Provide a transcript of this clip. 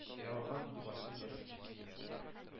Яраланган лачын йөрәктән.